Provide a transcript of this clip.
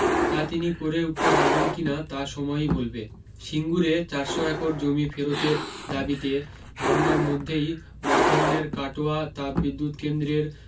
তা তিনি করেউটতে পারবেন কিনা তা সময়ই বলবে সিঙ্গুরে চারশো একর জমি ফেরতের দাবীতে ধরণার মধ্যেই বর্ধমানের কাটোয়া তাপবিদ্যুত কেন্দ্রের